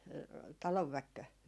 talonväkikö?